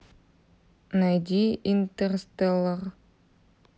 найди интерстеллар